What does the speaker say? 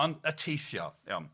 Ond y teithio, iawn.